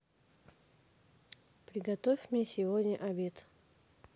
приготовь мне сегодня обед